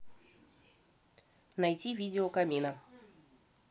найти видео камина